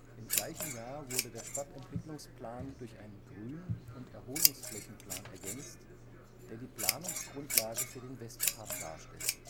Im gleichen Jahr wurde der Stadtentwicklungsplan durch einen Grün - und Erholungsflächenplan ergänzt, der die Planungsgrundlage für den Westpark darstellte